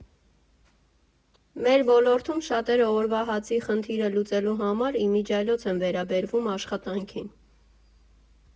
Մեր ոլորտում շատերը օրվա հացի խնդիրը լուծելու համար իմիջիայլոց են վերաբերվում աշխատանքին։